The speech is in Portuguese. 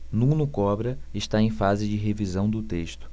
nuno cobra está em fase de revisão do texto